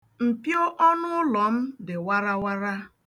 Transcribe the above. Mpio ọnụ ụlọ m dị warawara.